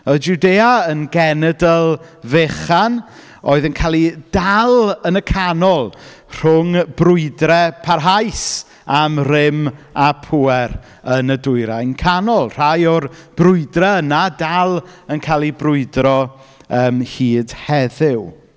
Oedd Jwdea yn genedl fechan oedd yn cael ei dal yn y canol rhwng brwydrau parhaus am rym a pŵer yn y dwyrain canol. Rhai o'r brwydrau yna dal yn cael eu brwydro yym hyd heddiw.